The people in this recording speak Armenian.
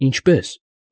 Ինչպե՞ս։